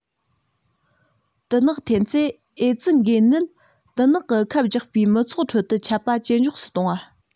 དུ ནག འཐེན ཚེ ཨེ ཙི འགོས ནད དུ ནག གི ཁབ རྒྱག པའི མི ཚོགས ཁྲོད དུ ཁྱབ པ ཇེ མགྱོགས སུ གཏོང བ